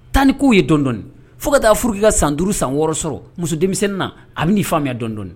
Tan ni k' ye dɔɔnin fo ka taa furuuru' ka san duuruuru san wɔɔrɔ sɔrɔ muso denmisɛnnin na a bɛ'i faamuya dɔɔnin dɔɔnin